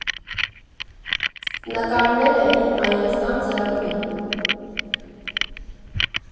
Նկարները՝ «Իմ Հայաստան» ծրագրի։